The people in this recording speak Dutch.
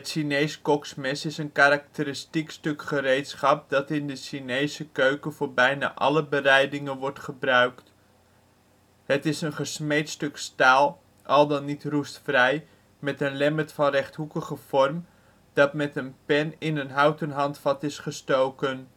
Chinees koksmes is een karakteristiek stuk gereedschap dat in de chinese keuken voor bijna alle bereidingen wordt gebruikt. Het is een gesmeed stuk staal, al dan niet roestvrij, met een lemmet van rechthoekige vorm, dat met een pen aan een houten handvat is gestoken